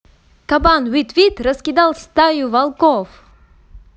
кабан wet wet раскидал стаю волков